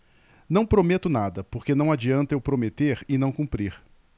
não prometo nada porque não adianta eu prometer e não cumprir